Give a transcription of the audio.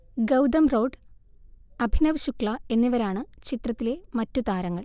ഗൗതം റോഢ്, അഭിനവ് ശുക്ല എന്നിവരാണ് ചിത്രത്തിലെ മറ്റു താരങ്ങൾ